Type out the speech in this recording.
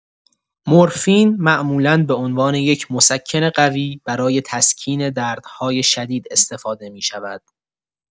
مرفین معمولا به‌عنوان یک مسکن قوی برای تسکین دردهای شدید استفاده می‌شود.